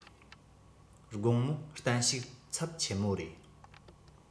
དགོང མོ བསྟན བཤུག ཚབས ཆེན མོ རེ